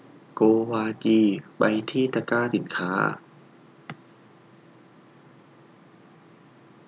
โกวาจีไปที่ตะกร้าสินค้า